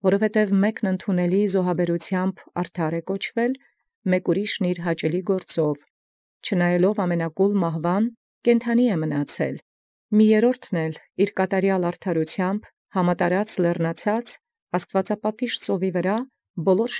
Զի ոմն ընդունելի պատարագաւ արդար կոչեցեալ, և այլ ոմն հաճոյական արուեստիւ ի վերայ ամենակուլ մահուանն կենաւք երևեալ, և միւս ոմն բովանդակ արդարութեամբ ի վերայ համատարած լեռնացելոյ աստուածապատիժ ծովուն հանդերձ ամենայն։